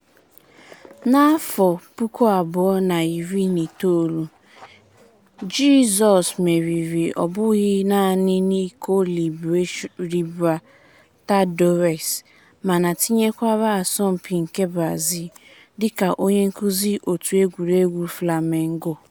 Na 2019, Jizọs meriri ọ bụghị naanị n'Iko Libertadores, mana tinyekwara Asọmpi nke Brazil dịka onye nkụzi òtù egwuregwu Flamengo.